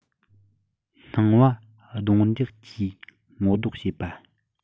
སྣང བ གདོང འདེད ཀྱིས ངོ ཟློག བྱེད པ